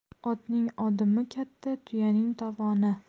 otning odimi katta tuyaning tovoni